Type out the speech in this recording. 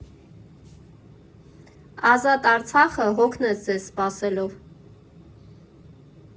Ազատ Արցախը հոգնեց ձեզ սպասելով։